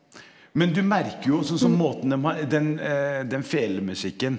men du merker jo også sånn måten dem har den den felemusikken.